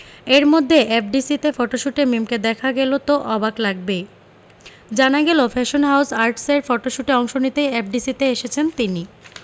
এরমধ্যে এফডিসিতে ফটোশুটে মিমকে দেখা গেল তো অবাক লাগবেই জানা গেল ফ্যাশন হাউজ আর্টসের ফটশুটে অংশ নিতেই এফডিসিতে এসেছেন তিনি